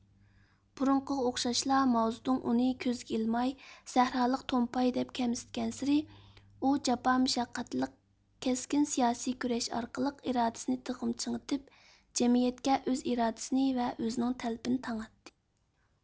بۇرۇنقىغا ئوخشاشلا ماۋزېدۇڭ ئۇنى كۆزگە ئىلماي سەھرالىق تومپاي دەپ كەمسىتكەنسېرى ئۇ جاپا مۇشەققەتلىك كەسكىن سىياسىي كۈرەش ئارقىلىق ئىرادىسىنى تېخىمۇ چىڭىتىپ جەمئىيەتكە ئۆز ئىرادىسىنى ۋە ئۆزىنىڭ تەلىپىنى تاڭاتتى